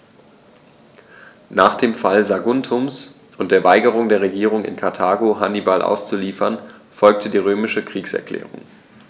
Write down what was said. Nach dem Fall Saguntums und der Weigerung der Regierung in Karthago, Hannibal auszuliefern, folgte die römische Kriegserklärung.